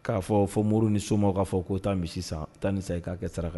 K'a fɔ fɔ mori ni soma k'a fɔ k'o taa misi san tan ni sa k'a kɛ saraka